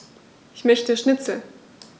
Ich möchte Schnitzel.